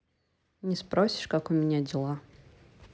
не спросишь как у меня дела